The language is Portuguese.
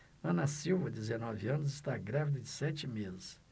ana silva dezenove anos está grávida de sete meses